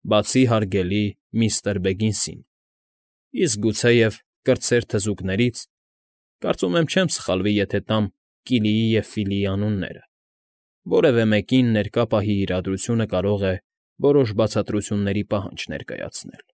Բայց հարգելի միստր Բեգինսին, իսկ գուցեև կրտսեր թզուկներից (կարծում եմ չեմ սխալվի, եթե տամ Կիլիի և Ֆիլիի անունները) որևէ մեկին ներկա պահի իրադրությունը կարող է որոշ բացատրությունների պահանջ ներկայացնել։